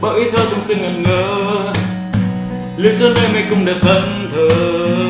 bao ý thơ tương tư ngẩn ngơ ơ lưu dấu nơi mê cung đẹp thẫn thờ ơ